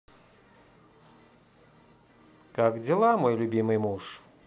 как дела мой любимый муж